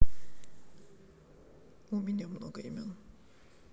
у меня много имен